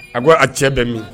A ko a cɛ bɛ min